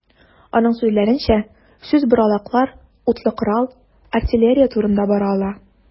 Аның сүзләренчә, сүз боралаклар, утлы корал, артиллерия турында бара ала.